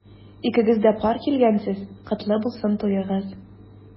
Икегез дә пар килгәнсез— котлы булсын туегыз!